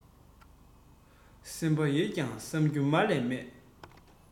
སེམས པ ཡོད ཀྱང བསམ རྒྱུ མ ལས མེད